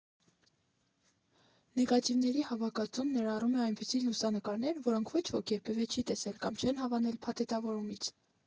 Նեգատիվների հավաքածուն ներառում է այնպիսի լուսանկարներ, որոնք ոչ ոք երբևէ չի տեսել կամ չեն հանվել փաթեթավորումից։